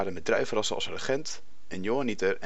met druivenrassen als Regent en Johanniter